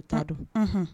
U'a don